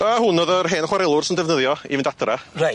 A hwn o'dd yr hen chwarelwr sy'n defnyddio i fynd adra... Reit.